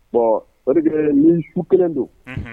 Bon c'est à dire que ɛɛ nii su kelen don unhun